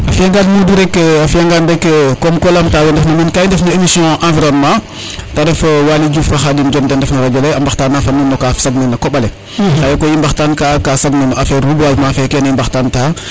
a fiya ngan Modou rek a fiya nga rek comme ko laam ta we ndef na men ka i ndef no emission environnement te ref Waly Diouf fo Khadim Dione den ndef no Radio le de mbaxtana fo nuun noka sag na no koɓale xaye koy i mbaxtaan ta no ka sag na no affaire reboisement fe kene i mbaxtaan ta